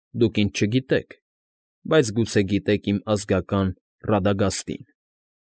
Դուք ինչ չգիտեք, բայց գուցե գիտեք իմ ազգական Ռադագաստի՞ն։